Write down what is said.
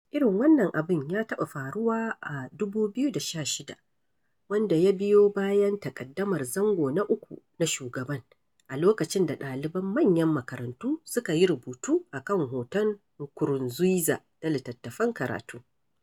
Irin wannan abin ya taɓa faruwa a 2016, wanda ya biyo bayan taƙaddamar zango na uku na shugaban, a lokacin da ɗaliban manyan makarantu suka yi rubutu a kan hotunan Nkurunziza na littattafan karatu.